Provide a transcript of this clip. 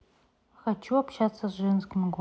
хочу общаться с женским голосом